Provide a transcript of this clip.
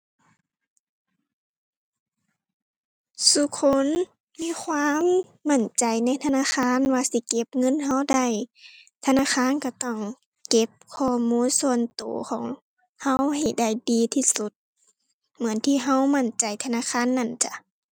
ซุคนมีความมั่นใจในธนาคารว่าสิเก็บเงินเราได้ ธนาคารเราต้องเก็บข้อมูลส่วนเราของเราให้ได้ดีที่สุด เหมือนที่เรามั่นใจธนาคารนั้นจ้ะ